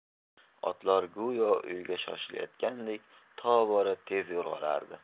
otlar go'yo uyga shoshilayotgandek tobora tez yo'rg'alardi